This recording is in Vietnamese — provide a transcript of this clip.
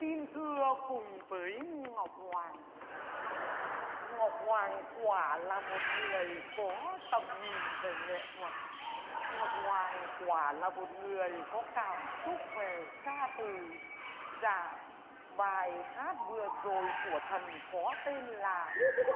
xin thưa cùng với ngọc hoàng ngọc hoàng quả là một người có tầm nhìn về nghệ thuật ngọc hoàng quả là một người có cảm xúc về ca từ dạ bài hát vừa rồi của thần có tên là